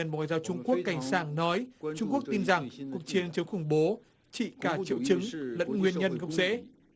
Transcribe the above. ngoại giao trung quốc cảnh sảng nói trung quốc tin rằng cuộc chiến chống khủng bố chị có triệu chứng lẫn nguyên nhân gốc rễ